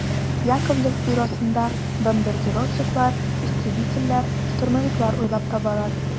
Яковлев бюросында бомбардировщиклар, истребительләр, штурмовиклар уйлап табалар.